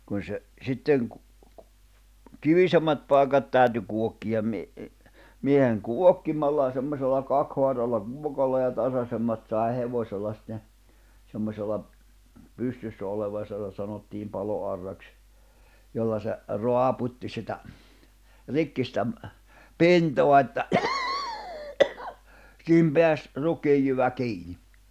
kun se sitten - kivisemmät paikat täytyi kuokkia - miehen kuokkimalla ja semmoisella kaksihaaralla kuokalla ja tasaisemmat sai hevosella sitten semmoisella pystyssä oleva ja sitä sanottiin paloauraksi jolla se raaputti sitä rikki sitä - pintaa että siihen pääsi rukiinjyvä kiinni